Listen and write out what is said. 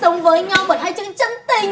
sống với nhau bởi hai chữ chân tình